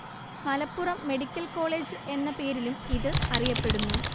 Malappuram medical college എന്ന പേരിലും ഇത് അറിയപ്പെടുന്നു